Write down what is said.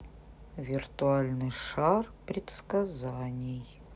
виртуальный шар предсказаний